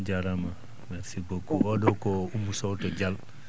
jaaraama merci beaucoup oo ɗoo ko Oumou Sow to Dial